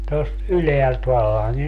tuosta ylhäältä vallankin